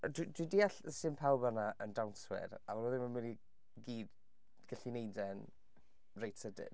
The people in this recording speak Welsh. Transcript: Dwi dwi'n deall sdim pawb fanna yn dawnswyr, a maen nhw ddim i gyd yn mynd gallu wneud e yn reit sydyn.